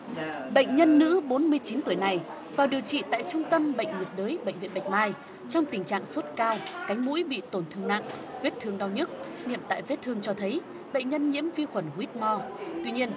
bệnh nhân nữ bốn mươi chín tuổi này vào điều trị tại trung tâm bệnh nhiệt đới bệnh viện bạch mai trong tình trạng sốt cao cánh mũi bị tổn thương nặng vết thương đau nhức nghiệm tại vết thương cho thấy bệnh nhân nhiễm vi khuẩn guýt mo tuy nhiên